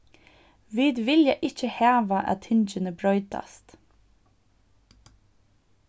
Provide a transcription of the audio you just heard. vit vilja ikki hava at tingini broytast